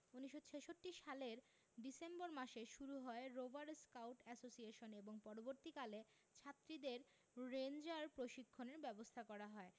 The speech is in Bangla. ১৯৬৬ সালের ডিসেম্বর মাসে শুরু হয় রোভার স্কাউট অ্যাসোসিয়েশন এবং পরবর্তীকালে ছাত্রীদের রেঞ্জার প্রশিক্ষণের ব্যবস্থা করা হয়